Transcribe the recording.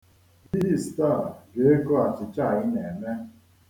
Yiist a ga-eko achịchịa a i na-eme